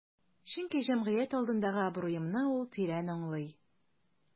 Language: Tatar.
Чөнки җәмгыять алдындагы абруемны ул тирән аңлый.